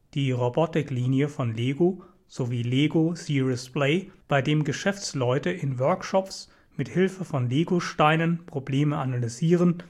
die Robotiklinie von LEGO sowie Lego Serious Play, bei dem Geschäftsleute in Workshops mit Hilfe von Legosteinen Probleme analysieren